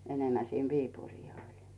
enemmän sinne Viipuriin oli